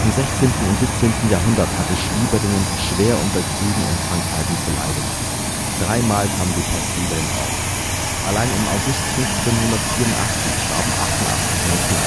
16. und 17. Jahrhundert hatte Schwieberdingen schwer unter Kriegen und Krankheiten zu leiden. Dreimal kam die Pest über den Ort. Allein im August 1584 starben 88 Menschen